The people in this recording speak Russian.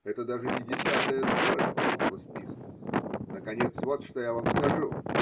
Это даже не десятая доля полного списка. Наконец, вот что я вам скажу.